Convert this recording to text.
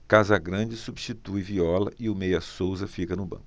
casagrande substitui viola e o meia souza fica no banco